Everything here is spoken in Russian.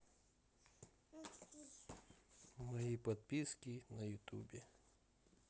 мои подписки на ютубе